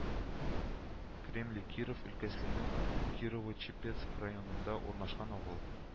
Кремли Киров өлкәсенең Кирово-Чепецк районында урнашкан авыл